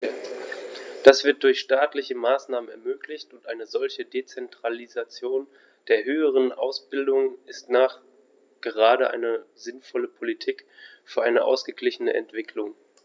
Das wird durch staatliche Maßnahmen ermöglicht, und eine solche Dezentralisation der höheren Ausbildung ist nachgerade eine sinnvolle Politik für eine ausgeglichene Entwicklung.